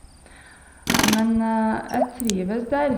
Men jeg trives der.